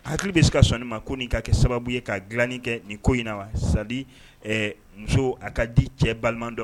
Hakili bɛ se ka sɔnni ma ko nin ka kɛ sababu ye ka dilani kɛ nin ko in na wa sa muso a ka di cɛ balimadɔ